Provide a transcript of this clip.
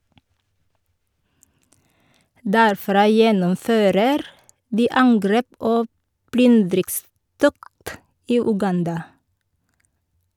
Derfra gjennomfører de angrep og plyndringstokt i Uganda.